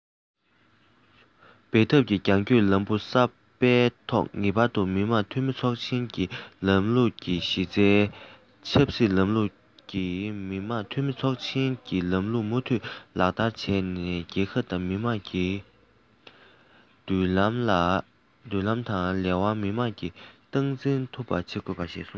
འབད འཐབ ཀྱི རྒྱང སྐྱོད ལམ བུ གསར པའི ཐོག ངེས པར དུ མི དམངས འཐུས མི ཚོགས ཆེན གྱི ལམ ལུགས ཀྱི གཞི རྩའི ཆབ སྲིད ལམ ལུགས ཀྱི མི དམངས འཐུས མི ཚོགས ཆེན གྱི ལམ ལུགས མུ མཐུད ལག བསྟར བྱས ནས རྒྱལ ཁབ དང མི རིགས ཀྱི མདུན ལམ དང ལས དབང མི དམངས ཀྱིས སྟངས འཛིན ཐུབ པ བྱེད དགོས ཞེས གསུངས པ རེད